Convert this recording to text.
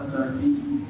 O sara